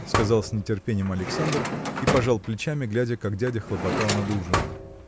– сказал с нетерпением Александр и пожал плечами глядя как дядя хлопотал над ужином.